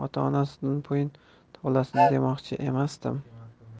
ota onasidan bo'yin tovlasin demoqchi emasman